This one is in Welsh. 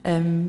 yrm